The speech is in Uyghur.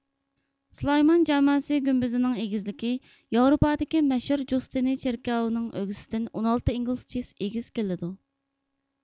سۇلايمان جاماسى گۈمبىزىنىڭ ئېگىزلىكى ياۋروپادىكى مەشھۇر جۇستىنى چېركاۋىنىڭ ئۆگزىسىدىن ئون ئالتە ئىنگلىز چىسى ئېگىز كېلىدۇ